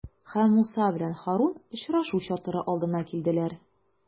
Һәм Муса белән Һарун очрашу чатыры алдына килделәр.